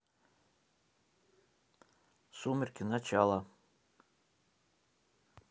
сумерки начало